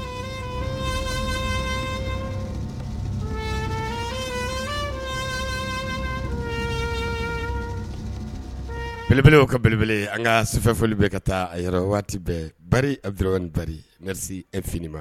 Belew ka belebele an ka sofɛfli bɛ ka taa a yɔrɔ waati bɛɛ ba abi kari n se ef fini ma